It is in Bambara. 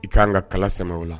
I k ka kanan ka kala sɛ o la